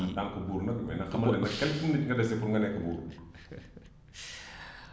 en tant que ;fra buur nag mais nag xamal ne nag quelques minutes nga dese pour nga nekk buur